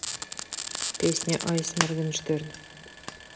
песня айс моргенштерн